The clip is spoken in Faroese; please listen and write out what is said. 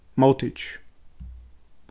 móttikið